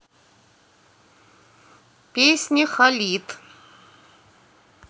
песни khalid